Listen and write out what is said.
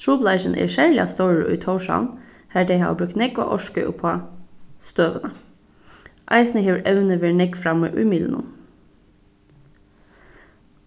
trupulleikin er serliga stórur í tórshavn har tey hava brúkt nógva orku upp á støðuna eisini hevur evnið verið nógv frammi í miðlunum